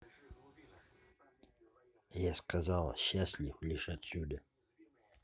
я сказала счастлив лишь отсюда